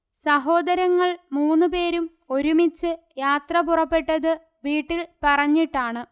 സഹോദരങ്ങൾ മൂന്നുപേരും ഒരുമിച്ച് യാത്ര പുറപ്പെട്ടത് വീട്ടിൽ പറഞ്ഞിട്ടാണ്